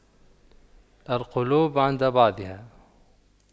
القلوب عند بعضها